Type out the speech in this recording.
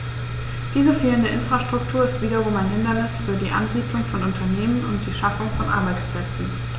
Diese fehlende Infrastruktur ist wiederum ein Hindernis für die Ansiedlung von Unternehmen und die Schaffung von Arbeitsplätzen.